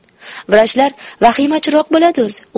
vrachlar vahimachiroq bo'ladi o'zi